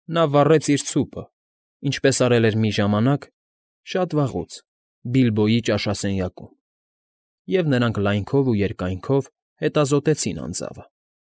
Նա վառեց իր ցուպը, ինչպես արել էր մի ժամանակ (շատ վաղուց) Բիլբոյի ճաշասենյակում, և նրանք լայքնով ու երկայնքով հետազոտեցին անձավը։